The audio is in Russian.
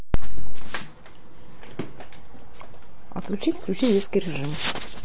отключить включи детский режим